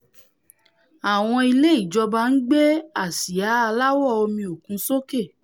Àwọn ilé ìjọba ńgbé àsìá aláwọ omi òkun sókê.